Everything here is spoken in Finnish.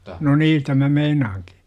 no niin sitä minä meinaankin